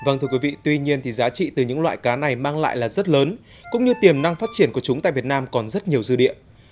vâng thưa quý vị tuy nhiên thì giá trị từ những loại cá này mang lại là rất lớn cũng như tiềm năng phát triển của chúng tại việt nam còn rất nhiều dư địa